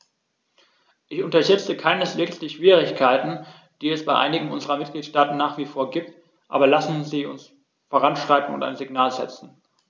Ich unterschätze keineswegs die Schwierigkeiten, die es bei einigen unserer Mitgliedstaaten nach wie vor gibt, aber lassen Sie uns voranschreiten und ein Signal setzen.